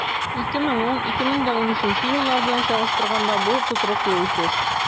2010-2013 еллар белән чагыштырганда, бу тотрыклы үсеш.